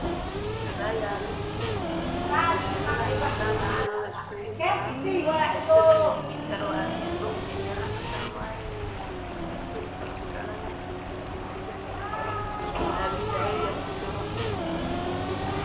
Waa taar midbadoodu waa cadaan